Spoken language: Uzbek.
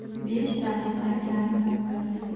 besh daqiqa kam sakkiz